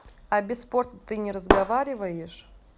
а без спорта ты не разговариваешь